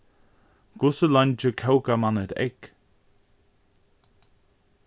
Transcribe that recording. hvussu leingi kókar mann eitt egg